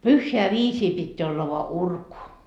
pyhään viisiin pitää olla vain urku